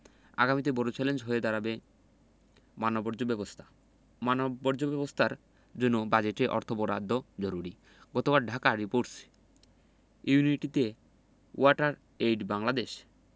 আগামীতে বড় চ্যালেঞ্জ হয়ে দাঁড়াবে মানববর্জ্য ব্যবস্থা মানববর্জ্য ব্যবস্থার জন্য বাজেটে অর্থ বরাদ্দ জরুরি গতবার ঢাকা রিপোর্টার্স ইউনিটিতে ওয়াটার এইড বাংলাদেশ